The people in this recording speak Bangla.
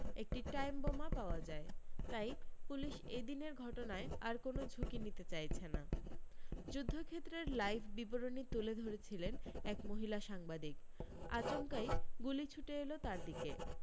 একটি টাইম বোমা পাওয়া যায় তাই পুলিশ এদিনের ঘটনায় আর কোনও ঝুঁকি নিতে চাইছে না যুদ্ধক্ষেত্রের লাইভ বিবরণী তুলে ধরেছিলেন এক মহিলা সাংবাদিক আচমকাই গুলি ছুটে এল তার দিকে